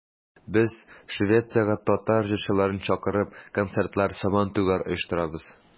Без, Швециягә татар җырчыларын чакырып, концертлар, Сабантуйлар оештырабыз.